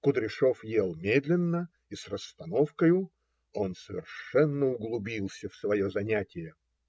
Кудряшов ел медленно и с расстановкою; он совершенно углубился в свое занятие.